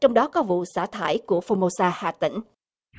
trong đó có vụ xả thải của phô mô sa hà tĩnh